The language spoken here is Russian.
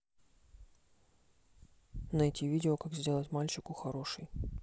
найти видео как сделать мальчику хороший